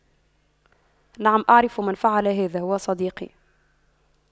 نعم أعرف من فعل هذا هو صديقي